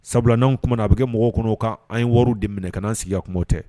Sabula n'anw kumana a be kɛ mɔgɔw kɔnɔ kan an ye wɔriw de minɛ kan'an sigi ka kuma o tɛ